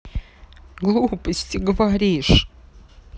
глупости говоришь